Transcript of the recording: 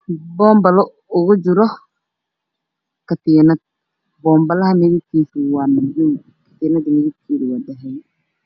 Boombalo ugu jiro katiinad boombalaha midabkeedu waa dahabi